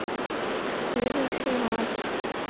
в следующий раз